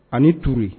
A ni turi